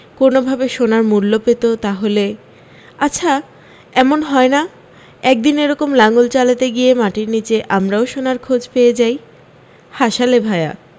কোনো ভাবে সোনার মূল্য পেত তাহলে আচ্ছা এমন হয় না একদিন এরকম লাঙ্গল চালাতে গিয়ে মাটির নীচে আমরাও সোনার খোঁজ পেয়ে যাই হাসালে ভায়া